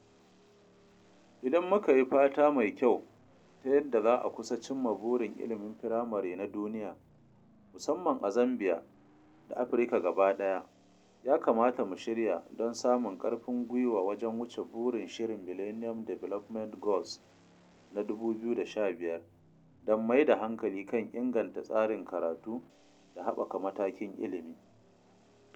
Idan muka yi fata mai kyau, ta yadda za a kusa cimma burin ilimin firamare na duniya, musamman a Zambia da Afirka gaba ɗaya, ya kamata mu shirya don samun ƙarfin gwiwa wajen wuce burin shirin Millennium Development Goals na 2015 don mai da hankali kan inganta tsarin karatu da haɓaka matakan ilimi.